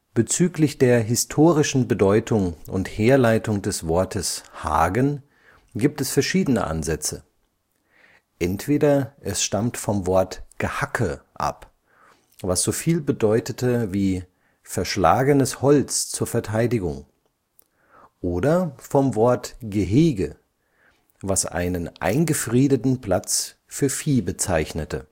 Bezüglich der historischen Bedeutung und Herleitung des Wortes Hagen gibt es verschiedene Ansätze: Entweder es stammt vom Wort „ Gehacke “ab, was soviel bedeutete wie „ verschlagenes Holz zur Verteidigung “, oder vom Wort „ Gehege “, was einen eingefriedeten Platz für Vieh bezeichnete